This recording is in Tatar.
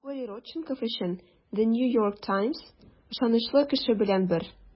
Григорий Родченков өчен The New York Times ышанычлы кеше белән бер.